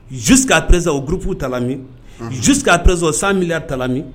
Jos k ka perez o gurffu tami josi k ka perez san miya tami